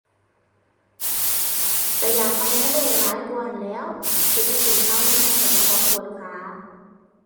ก็อยากไปทะเลหลายกว่าหั้นแหล้ว ก็สิไปขึ้นเขาเฮ็ดหยังให้เจ้าของปวดขา